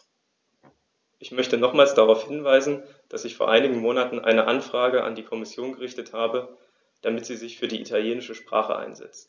Ich möchte nochmals darauf hinweisen, dass ich vor einigen Monaten eine Anfrage an die Kommission gerichtet habe, damit sie sich für die italienische Sprache einsetzt.